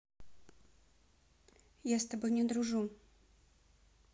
я с тобой не дружу